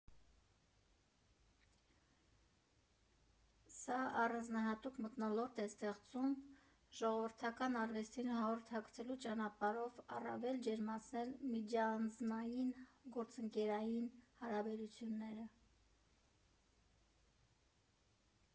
Սա առանձնահատուկ մթնոլորտ է ստեղծում ժողովրդական արվեստին հաղորդակցվելու ճանապարհով առավել ջերմացնել միջանձնային, գործընկերային հարաբերությունները։